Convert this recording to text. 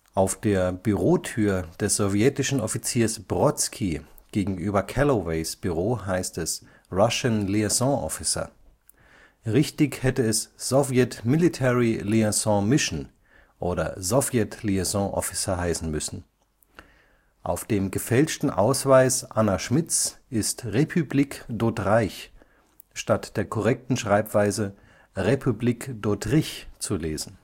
Auf der Bürotür des sowjetischen Offiziers Brodsky gegenüber Calloways Büro heißt es „ Russian Liaison Officer “. Richtig hätte es „ Soviet Military Liaison Mission “oder „ Soviet Liaison Officer “heißen müssen. Auf dem gefälschten Ausweis Anna Schmidts ist „ Republique d’ Autreich “statt der korrekten Schreibweise „ Republique d’ Autriche “zu lesen